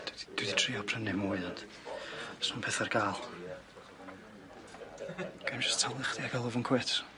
D- dwi 'di trial prynu mwy ond os na'm peth ar ga'l, gai jyst talu chdi a galw fo'n cwits?